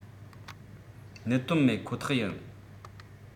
གནད དོན མེད ཁོ ཐག ཡིན